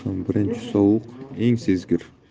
ham birinchi sovuq eng sezgir